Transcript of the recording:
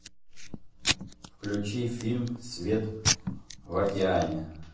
включи фильм свет в океане